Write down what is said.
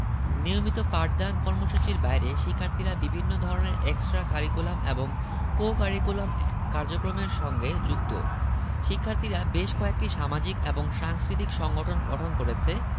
নিয়মিত পাঠদান কর্মসূচির বাইরে শিক্ষার্থীরা বিভিন্ন ধরনের এক্সটা কারিকুলাম এবং কো কারিকুলাম কার্যক্রমের সঙ্গে যুক্ত শিক্ষার্থীরা বেশ কয়েকটি সামাজিক এবং সাংস্কৃতিক সংগঠন গঠন করেছে